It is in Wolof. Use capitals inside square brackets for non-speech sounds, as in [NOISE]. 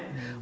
[HESITATION] [HESITATION]